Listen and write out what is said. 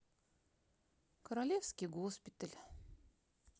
королевский госпиталь